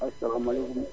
asalaamaalekum